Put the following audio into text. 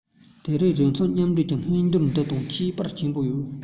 དེ རིང རིམ མཚུངས མཉམ འགྲན གྱི སྔོན སྦྱོང འདི དང ཁྱད པར ཆེན པོ ཡོད